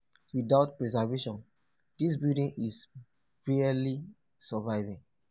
Without preservation, this building is barely surviving.